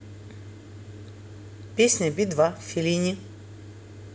песня би два феллини